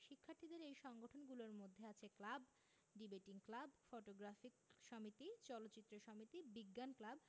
শিক্ষার্থীদের এই সংগঠনগুলুর মধ্যে আছে ক্লাব ডিবেটিং ক্লাব ফটোগ্রাফিক সমিতি চলচ্চিত্র সমিতি বিজ্ঞান ক্লাব